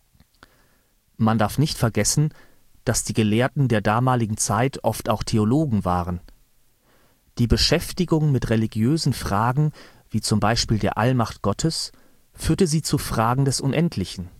Man darf nicht vergessen, dass die Gelehrten der damaligen Zeit oft auch Theologen waren. Die Beschäftigung mit religiösen Fragen wie z. B. der Allmacht Gottes führte sie zu Fragen des Unendlichen